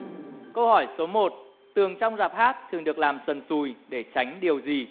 câu hỏi số một tường trong rạp hát thường được làm sần sùi để tránh điều gì